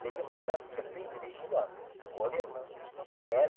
lekin bu bilan kimning nima ishi bor obermi ober